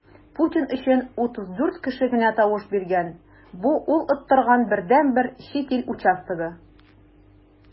Путин өчен 34 кеше генә тавыш биргән - бу ул оттырган бердәнбер чит ил участогы.